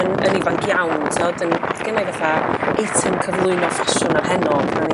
yn, yn ifanc iawn t'wod o'dd gennai fatha eitem cyflwyno ffasiwn ar Heno pan oni